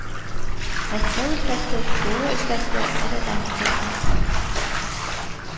Мәскәү өлкәсе, Тула өлкәсе, Рязань өлкәсе